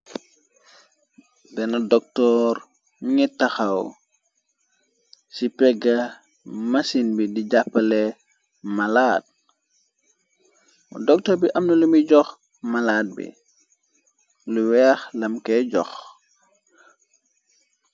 Benn doktoor ngit taxaw, ci pegg masin bi di jàppale malaad, doktoor bi amna lumi jox malaad bi, lu weex lamkey jox.